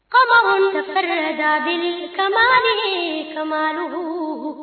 Faamatigɛ ja ka jigidugu